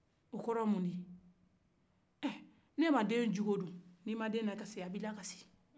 o fɔlɔ ye mun ye ne ma den jugo don ni ma den na kasi den bi la kasi